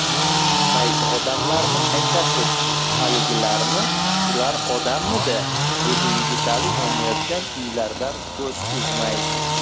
qaysi odamlarni aytasiz haligilarmi ular odammidi dedi yigitali yonayotgan uylardan ko'z uzmay